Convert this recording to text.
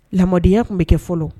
Ladenya tun bɛ kɛ fɔlɔ